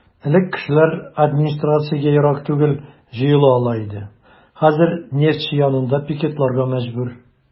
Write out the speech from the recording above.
Элек кешеләр администрациягә ерак түгел җыела ала иде, хәзер "Нефтьче" янында пикетларга мәҗбүр.